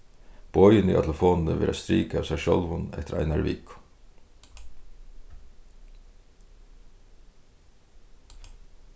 boðini á telefonini verða strikað av sær sjálvum eftir einari viku